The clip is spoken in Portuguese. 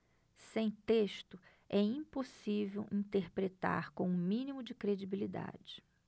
sem texto é impossível interpretar com o mínimo de credibilidade